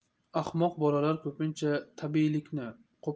ahmoq bolalar ko'pincha tabiiylikni